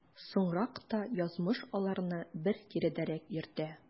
Соңрак та язмыш аларны бер тирәдәрәк йөртә.